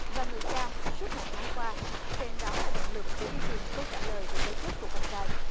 và người cha suốt một tháng qua xem đó là động lực để đi tìm câu trả lời về cái chết của con trai